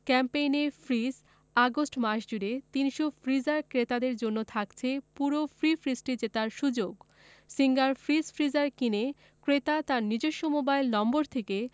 ক্যাম্পেইনে fridge August মাস জুড়ে ৩০০ ফ্রিজার ক্রেতাদের জন্য থাকছে পুরো ফ্রি ফ্রিজটি জেতার সুযোগ সিঙ্গার ফ্রিজ ফ্রিজার কিনে ক্রেতা তার নিজস্ব মোবাইল নম্বর থেকে